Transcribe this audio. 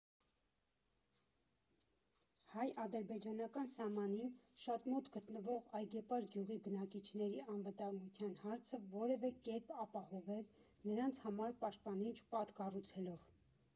Հայ֊ադրբեջանական սահմանին շատ մոտ գտնվող Այգեպար գյուղի բնակիչների անվտանգության հարցը որևէ կերպ ապահովել՝ նրանց համար պաշտպանիչ պատ կառուցելով։